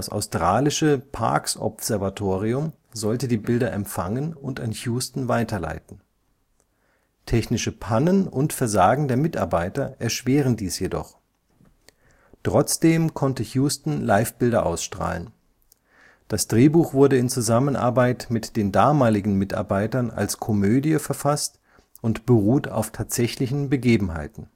australische Parkes-Observatorium sollte die Bilder empfangen und an Houston weiterleiten. Technische Pannen und Versagen der Mitarbeiter erschweren dies jedoch. Trotzdem konnte Houston Livebilder ausstrahlen. Das Drehbuch wurde in Zusammenarbeit mit den damaligen Mitarbeitern als Komödie verfasst und beruht auf tatsächlichen Begebenheiten